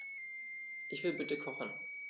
Ich will bitte kochen.